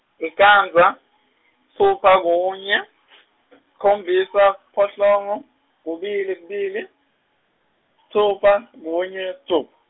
licandza sitfupha kunye sikhombisa siphohlongo kubili kubili sitsupha kunye sitfup-.